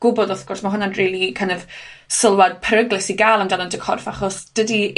gwbod, wrth gwrs, ma' rili kine of, sylwad peryglus i ga'l amdano dy y corff, achos dydi